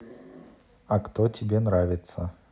а кто тебе нравится